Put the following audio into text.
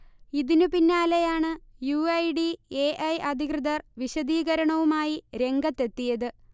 ഇതിന് പിന്നാലെയാണ് U. I. D. A. I. അധികൃർ വിശദീകരണവുമായി രംഗത്തെത്തിയത്